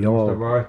joo